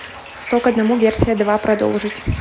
сто к одному версия два продолжить